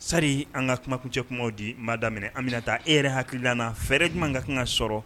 Sari an ka kuma cɛ kuma di maa daminɛminɛ anmina taa e yɛrɛ hakilil fɛɛrɛ ɲuman ka kan ka sɔrɔ